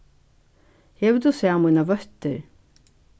hevur tú sæð mínar vøttir